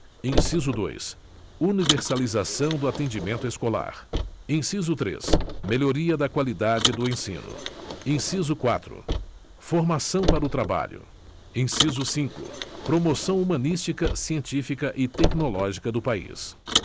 inciso dois universalização do atendimento escolar inciso três melhoria da qualidade do ensino inciso quatro formação para o trabalho inciso cinco promoção humanística científica e tecnológica do país